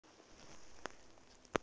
песня у солдата выходной пуговицы ван